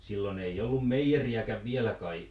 silloin ei ollut meijeriäkään vielä kai